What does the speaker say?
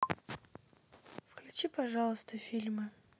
включи пожалуйста фильмы